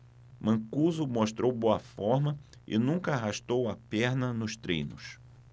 mancuso mostrou boa forma e nunca arrastou a perna nos treinos